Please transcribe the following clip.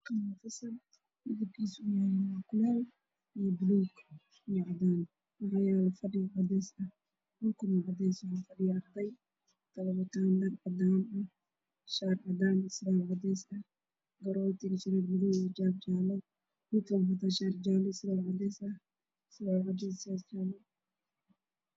Waxaa ii muuqda wiilal dugsi hoose iyo dugsi dhexe oo ku fadhiya kuraas waxa ay fadhiyaan meel banaan ah waxa ay wataan shaarar cadaan ah iyo sharar rajaalle ah